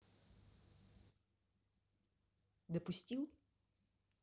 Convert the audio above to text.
допустил